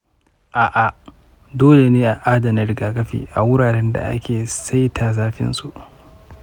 a’a, dole ne a adana rigakafi a wuraren da ake sarrafa saitin zafinsu.